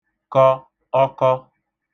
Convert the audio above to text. kọ (ọkọ)